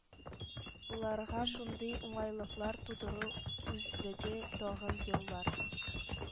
Ларга шундый уңайлыклар тудыру үзлеге тагын еллар